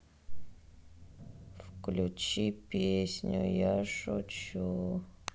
включи песню я шучу